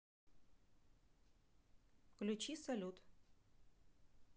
включи салют